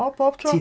O bob tro.